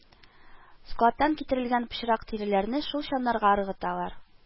Складтан китерелгән пычрак тиреләрне шул чаннарга ыргыталар